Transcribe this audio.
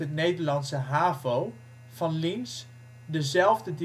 Nederlandse Havo) van Linz - dezelfde